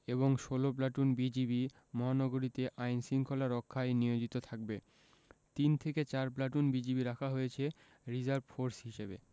এবং ১৬ প্লাটুন বিজিবি মহানগরীতে আইন শৃঙ্খলা রক্ষায় নিয়োজিত থাকবে তিন থেকে চার প্লাটুন বিজিবি রাখা হয়েছে রিজার্ভ ফোর্স হিসেবে